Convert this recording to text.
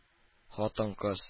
Хатын-кыз